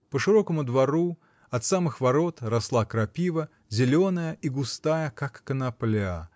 по широкому двору, от самых ворот, росла крапива, зеленая и густая, как конопля